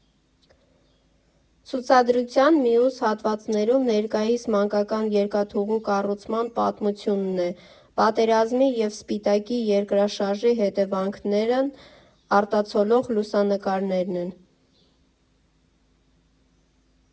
Ցուցադրության մյուս հատվածներում ներկայիս մանկական երկաթուղու կառուցման պատմությունն է, պատերազմի և Սպիտակի երկրաշարժի հետևանքներն արտացոլող լուսանկարներն են։